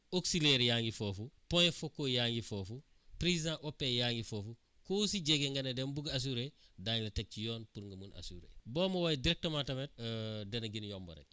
auxiliaires yaa ngi foofu points focaux yaa ngi foofu présients OPE yaa ngi foofu koo si jege nga ne dama bugg assurer daañu la teg ci yoon pour nga mun assurer boo ma woowee direcement tamit dana gën yomb rek